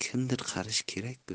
kimdir qarashi kerak ku